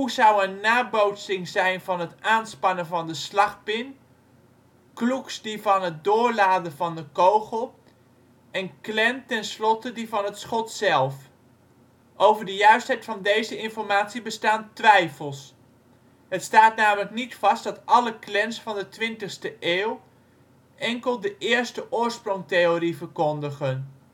een nabootsing zijn van het aanspannen van de slagpin, klux die van het doorladen van de kogel en klan tenslotte die van het schot zelf. Over de juistheid van deze informatie bestaan twijfels. Het staat namelijk niet vast dat alle Klans van de 20e eeuw enkel de eerste oorsprongtheorie verkondigen